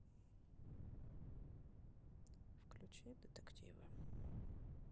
включи детективы